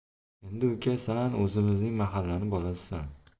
endi uka san o'zimizning mahallani bolasisan